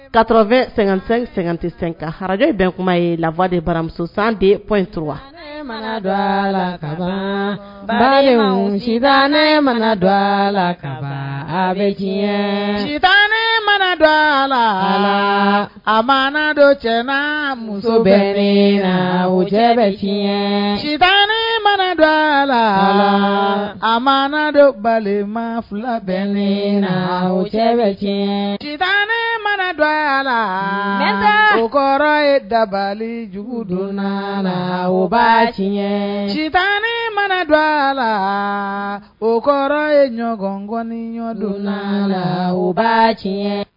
Kato sɛgɛnsɛ sɛgɛn tɛsen ka araj bɛn kuma ye lafa de baramusosan de paul yetura wa ma a la bali kun ne mana dɔ a la ka diɲɛɲɛ ne mana dɔ a la a ma dɔ jɛnɛ muso bɛ la wo cɛ bɛɲɛ sita mana dɔ a la a ma dɔ balima fila bɛ ne na cɛ bɛ tiɲɛ ne mana dɔ a la o kɔrɔ ye dabalijugu don a la u ba tiɲɛ sita mana don a la o kɔrɔ ye ɲɔgɔnkɔni ɲɔgɔndon la u ba tiɲɛ